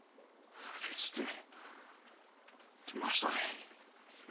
O Peter dwi, dwi mor sori!